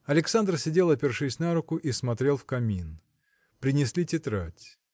Александр сидел, опершись на руку, и смотрел в камин. Принесли тетрадь.